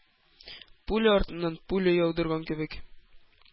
Пуля артыннан пуля яудырган кебек,